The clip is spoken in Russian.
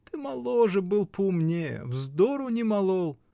— Ты моложе был поумнее, вздору не молол.